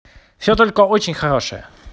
все только очень хорошее